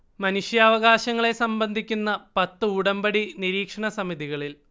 മനുഷ്യാവകാശങ്ങളെ സംബന്ധിക്കുന്ന പത്ത് ഉടമ്പടി നിരീക്ഷണ സമിതികളിൽ